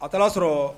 A kana sɔrɔ